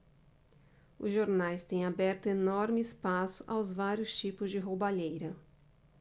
os jornais têm aberto enorme espaço aos vários tipos de roubalheira